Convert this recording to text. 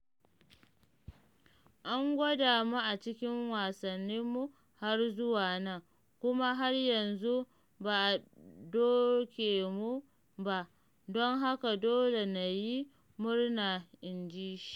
“An gwada mu a cikin wasanninmu har zuwa nan, kuma har yanzu ba a doke mu ba, don haka dole na yi murna,” inji shi.